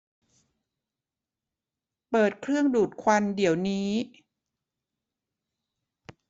เปิดเครื่องดูดควันเดี๋ยวนี้